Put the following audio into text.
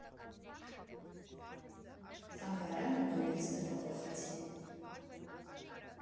Թանգարանը նորից տեղափոխեցին։